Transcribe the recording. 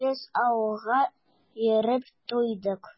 Без ауга йөреп туйдык.